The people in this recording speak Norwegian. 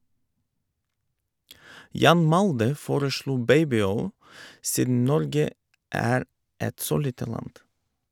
Jan Malde foreslo "Babyoil", siden Norge er et så lite land.